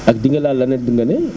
ak di nga laal lan it nga ne